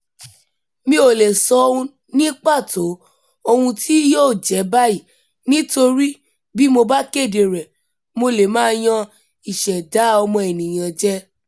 Mi ò leè sọ ní pàtó ohun tí yóò jẹ́ báyìí nítorí bí mo bá kédee rẹ̀, mo lè máa yan ìṣẹ̀dá ẹ̀dá ọmọ ènìyàn jẹ.